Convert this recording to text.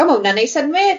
O ma' hwnna'n neud synnwyr.